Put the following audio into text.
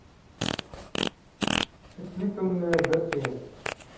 itning ko'ngli bir suyak